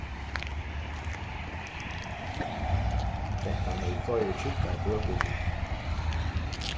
gentan hevði fleiri tjúkkar bøkur við